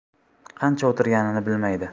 qancha o'tirganini bilmaydi